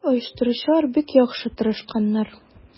Оештыручылар бик яхшы тырышканнар.